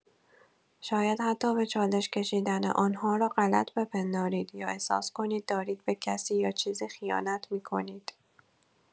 شاید حتی به چالش کشیدن آن‌ها را غلط بپندارید یا احساس کنید دارید به کسی یا چیزی خیانت می‌کنید.